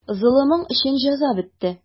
Золымың өчен җәза бетте.